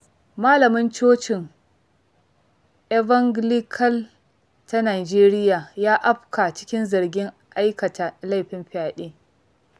Malamin cocin Evangelical ta Nijeriya ya afka cikin zargin aikata laifin fyaɗe.